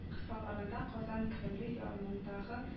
Кысаларында казан кремле янындагы